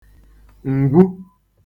ǹgwu